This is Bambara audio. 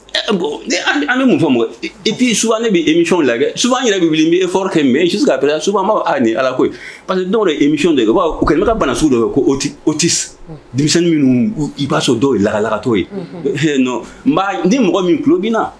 Bɔn an mun fɔ ma epi su bɛ emiw lajɛ suan yɛrɛ bɛ n' e kɛ min yen si sisan kap subama ni ala ko pa parce que dɔw de ye emic de b'o kɛ ne ka banasiw dɔ ye koti denmisɛn minnu i b'a sɔrɔ dɔw laralakatɔ ye h ni mɔgɔ min tulo bɛna